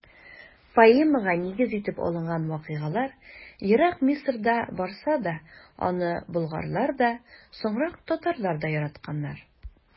Поэмага нигез итеп алынган вакыйгалар ерак Мисырда барса да, аны болгарлар да, соңрак татарлар да яратканнар.